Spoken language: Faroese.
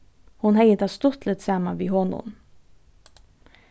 hon hevði tað stuttligt saman við honum